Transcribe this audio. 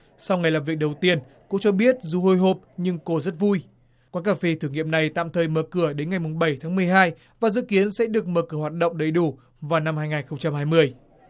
sau ngày làm việc đầu tiên cô cho biết dù hồi hộp nhưng cô rất vui quán cà phê thử nghiệm này tạm thời mở cửa đến ngày mùng bảy tháng mười hai và dự kiến sẽ được mở cửa hoạt động đầy đủ vào năm hai ngàn không trăm hai mươi